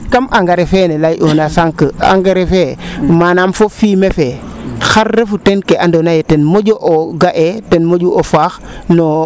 kama engrais feene ley oona sank engrais fee manaam fo fumier fee xar refu teen ke ando naye ten moƴo o ga'e ten moƴu o faax